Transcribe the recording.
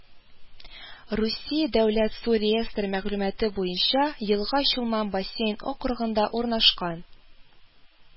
Русия дәүләт су реестры мәгълүматы буенча елга Чулман бассейн округында урнашкан